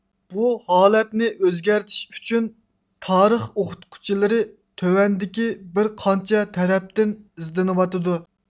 بۇ ھالەتنى ئۆزگەرتىش ئۈچۈن تارىخ ئوقۇتقۇچىلىرى تۆۋەندىكى بىر قانچە تەرەپتىن ئىزدىنىۋاتىدۇ